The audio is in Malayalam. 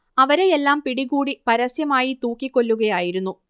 അവരെയെല്ലാം പിടികൂടി പരസ്യമായി തൂക്കിക്കൊല്ലുകയായിരുന്നു